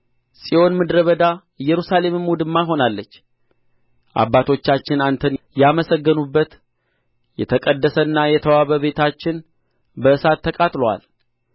ጽዮን ምድረ በዳ ኢየሩሳሌምም ውድማ ሆናለች አባቶቻችን አንተን ያመሰገኑበት የተቀደሰና የተዋበ ቤታችን በእሳት ተቃጥሎአል